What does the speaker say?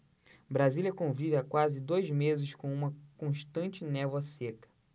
brasília convive há quase dois meses com uma constante névoa seca